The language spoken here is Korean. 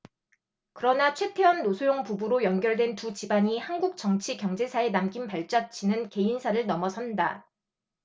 그러나 최태원 노소영 부부로 연결된 두 집안이 한국 정치 경제사에 남긴 발자취는 개인사를 넘어선다